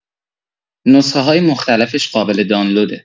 نسخه‌های مختلفش قابل دانلوده